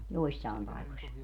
joissain paikoissa